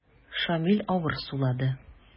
Шамил авыр сулады.